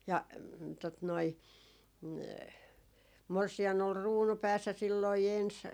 ja tuota noin morsian oli kruunu päässä silloin ensin